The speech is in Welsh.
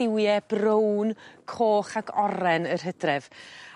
lliwie brown coch ac oren yr Hydref